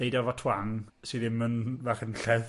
Deud e efo twang, sydd ddim yn, fach yn lleth.